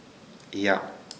Ja.